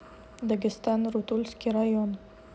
дагестан рутульский район